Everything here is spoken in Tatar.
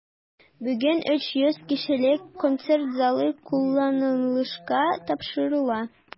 Бүген 300 кешелек концерт залы кулланылышка тапшырыла.